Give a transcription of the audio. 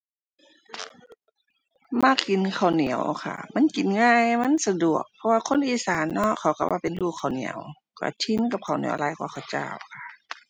มักกินข้าวเหนียวค่ะ มันกินง่าย มันสะดวก เพราะว่าคนอีสานเนาะ เขาก็ว่าเป็นลูกข้าวเหนียว ก็ชินกับข้าวเหนียวหลายกว่าข้าวจ้าว